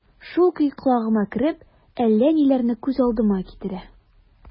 Шул көй колагыма кереп, әллә ниләрне күз алдыма китерә...